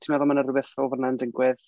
Ti'n meddwl mae 'na rywbeth fel hwnna'n digwydd?